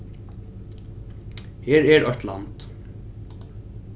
her er eitt land